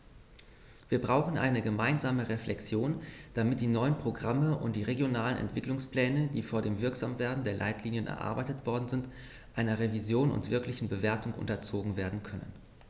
Wir brauchen eine gemeinsame Reflexion, damit die neuen Programme und die regionalen Entwicklungspläne, die vor dem Wirksamwerden der Leitlinien erarbeitet worden sind, einer Revision und wirklichen Bewertung unterzogen werden können.